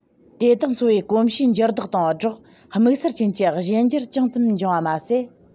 དེ དག འཚོ བའི གོམས གཤིས འགྱུར ལྡོག དང སྦྲགས དམིགས བསལ ཅན གྱི གཞན འགྱུར ཅུང ཙམ འབྱུང བ མ ཟད